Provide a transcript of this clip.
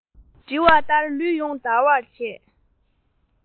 འགྲིལ བ ལྟར ལུས ཡོངས འདར བར བྱས